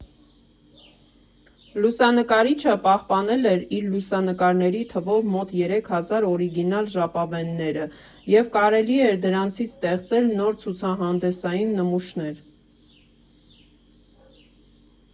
Լուսանկարիչը պահպանել էր իր լուսանկարների թվով մոտ երեք հազար օրիգինալ ժապավենները և կարելի էր դրանցից ստեղծել նոր ցուցահանդեսային նմուշներ։